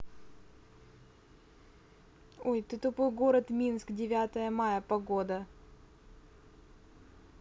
ой ты тупой город минск девятое мая погода